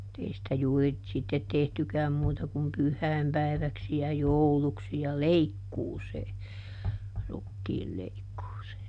mutta ei sitä juuri sitten tehtykään muuta kuin pyhäinpäiväksi ja jouluksi ja leikkuuseen rukiinleikkuuseen